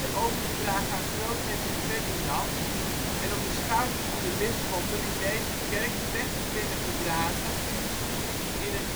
overgedragen aan groothertog Ferdinand en op de schouders van de bisschoppen in deze kerk plechtig binnengedragen in